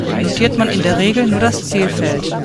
man in der Regel nur das Zielfeld